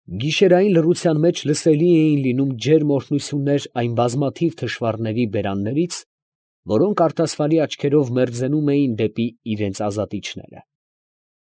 Գիշերային լռության մեջ լսելի էին լինում ջերմ օրհնություններ այն բազմաթիվ թշվառների բերաններից, որոնք արտասվալի աչքերով մերձենում էին դեպի իրանց ազատիչները…։